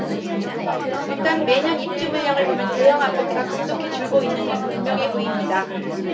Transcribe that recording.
일단 매년 입주 물량을 보면 대형아파트가 급속히 줄고 있는 것은 분명해 보입니다